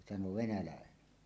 sanoi venäläinen